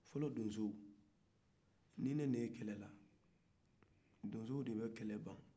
fɔlɔ donsow ni ne ni e kɛlɛla donsow de bɛ kɛlɛ ba